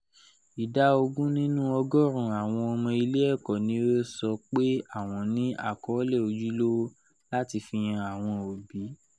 Ida ogun nínú ọgorun awọn ọmọ ile ẹkọ ni o sọ pe awọn ni akọọlẹ ‘’ojulowo’’ lati fi han awọn obi